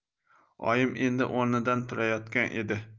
oyim endi o'rnidan turayotgan edi